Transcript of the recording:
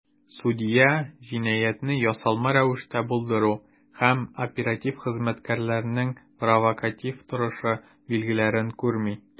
Судья "җинаятьне ясалма рәвештә булдыру" һәм "оператив хезмәткәрләрнең провокатив торышы" билгеләрен күрми.